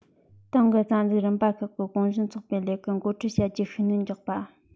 ཏང གི རྩ འཛུགས རིམ པ ཁག གིས གུང གཞོན ཚོགས པའི ལས ཀར འགོ ཁྲིད བྱ རྒྱུར ཤུགས སྣོན རྒྱག པ